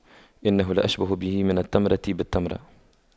إنه لأشبه به من التمرة بالتمرة